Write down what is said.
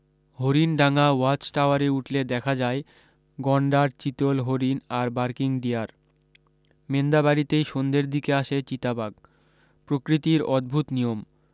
হরিণ ডাঙা ওয়াচ টাওয়ারে উঠলে দেখা যায় গণ্ডার চিতল হরিণ আর বার্কিং ডিয়ার মেন্দাবাড়িতেই সন্ধের দিকে আসে চিতা বাঘ প্রকৃতির অদ্ভুত নিয়ম